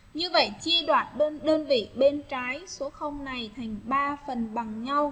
như vậy chi đoạt đơn vị bên trái số này thành phần bằng nhau